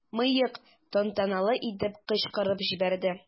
"мыек" тантаналы итеп кычкырып җибәрде.